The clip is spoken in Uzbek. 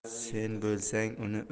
sen bo'lsang uni